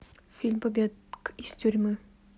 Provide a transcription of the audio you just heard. фильм побег из тюрьмы